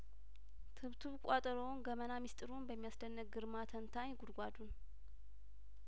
ትብትብ ቋጠሮ ገመና ሚስጢሩን በሚያስ ደንቅ ግርማ ተንታኝ ጉዳጉድን